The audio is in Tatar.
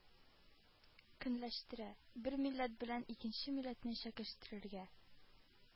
Кенләштерә, бер милләт белән икенче милләтне чәкештерергә